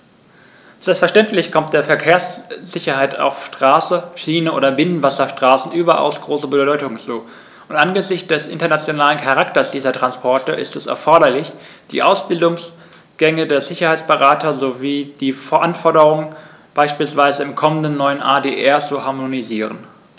Selbstverständlich kommt der Verkehrssicherheit auf Straße, Schiene oder Binnenwasserstraßen überaus große Bedeutung zu, und angesichts des internationalen Charakters dieser Transporte ist es erforderlich, die Ausbildungsgänge für Sicherheitsberater sowie die Anforderungen beispielsweise im kommenden neuen ADR zu harmonisieren.